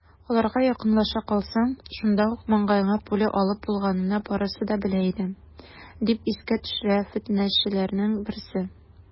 Аларга якынлаша калсаң, шунда ук маңгаеңа пуля алып булганын барысы да белә иде, - дип искә төшерә фетнәчеләрнең берсе.